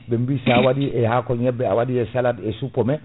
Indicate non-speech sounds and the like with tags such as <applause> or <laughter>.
ɓebi sa waɗi <clears throat> e haako ñebbe a waɗi e salade et sippomé